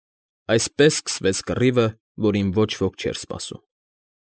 Այսպես սկսվեց կռիվը, որին ոչ ոք չէր սպասում։